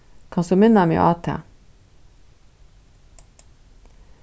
kanst tú minna meg á tað